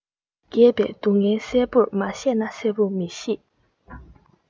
རྒས པའི སྡུག བསྔལ གསལ བོར མ བཤད ན གསལ བོར མི ཤེས